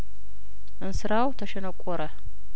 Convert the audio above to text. እንስራው ተሸነቆረ